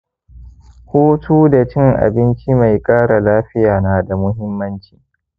hutu da cin abinci mai kara lafiya na da muhimmanci.